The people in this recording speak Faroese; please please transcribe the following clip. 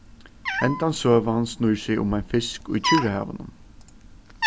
hendan søgan snýr seg um ein fisk í kyrrahavinum